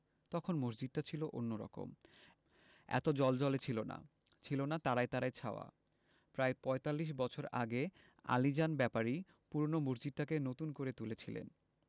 তখন মসজিদটা অন্যরকম ছিল এত জ্বলজ্বলে ছিল না ছিলনা তারায় তারায় ছাওয়া প্রায় পঁয়তাল্লিশ বছর আগে আলীজান ব্যাপারী পূরোনো মসজিদটাকে নতুন করে তুলেছিলেন